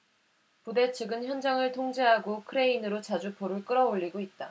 부대 측은 현장을 통제하고 크레인으로 자주포를 끌어올리고 있다